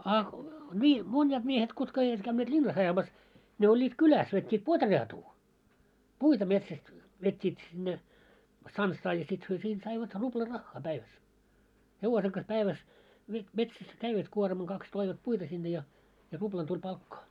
a niin monet miehet kutka eivät käyneet linnassa ajamassa ne olivat kylässä vetivät potreatuu puita metsästä vetivät sinne stanssaa ja sitten he siitä saivat rupla rahaa päivässä hevosen kas päivässä veti metsässä kävivät kuorman kaksi toivat puita sinne ja ja rupla tuli palkkaa